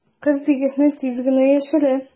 Кыз егетне тиз генә яшерә.